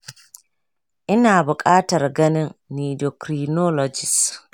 ina buƙatar ganin ndocrinologist.